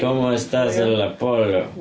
Como estas y la pollo.